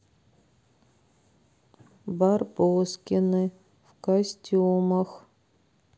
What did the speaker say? барбоскины в костюмах